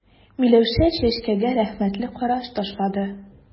Миләүшә Чәчкәгә рәхмәтле караш ташлады.